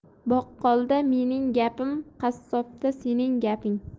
boqqolda mening gapim qassobda sening gaping